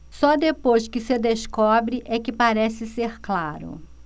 só depois que se descobre é que parece ser claro